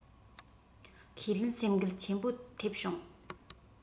ཁས ལེན སེམས འགུལ ཆེན པོ ཐེབས བྱུང